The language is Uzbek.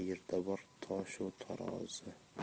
yerda bor tosh u tarozi